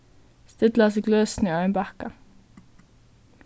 stilla hasi gløsini á ein bakka